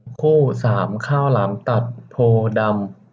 คู่สามข้าวหลามตัดโพธิ์ดำ